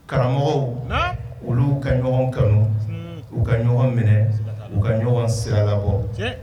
Karamɔgɔ olu ka ɲɔgɔn kanu u ka ɲɔgɔn minɛ u ka ɲɔgɔn siralabɔ